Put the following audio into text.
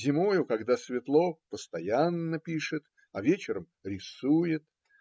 зимою, когда светло, - постоянно пишет, а вечером рисует.